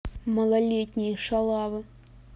малолетние шалавы